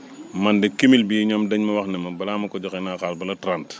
man de cumul bii ñoom dañ ma wax ne ma balaa ma koy joxe naa xaar ba le trente